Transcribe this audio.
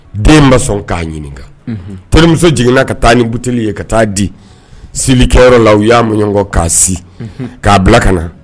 Den ba sɔn k'a ɲininka terimuso jiginna ka taa ni butili ye ka taa di selikɛyɔrɔ la u y'a man ɲɔgɔn kɔ k'a si k'a bila ka na